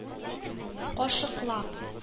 Кашыклап